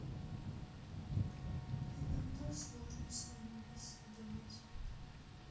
а иногда сложно с вами беседовать